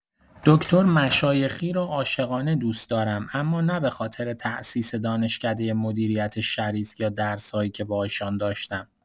دکتر مشایخی را عاشقانه دوست دارم؛ اما نه به‌خاطر تاسیس دانشکده مدیریت شریف یا درس‌هایی که با ایشان داشته‌ام.